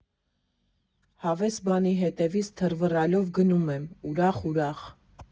Հավես բանի հետևից թռվռալով գնում եմ ՝ ուրախ֊ուրախ։